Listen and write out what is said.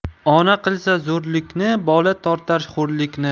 ona qilsa zo'rlikni bola tortar xo'rlikni